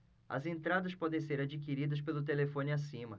as entradas podem ser adquiridas pelo telefone acima